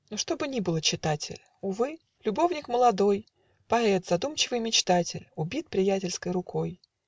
Но что бы ни было, читатель, Увы, любовник молодой, Поэт, задумчивый мечтатель, Убит приятельской рукой!